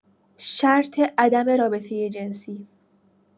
شرط عدم رابطه جنسی